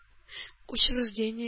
Учреждение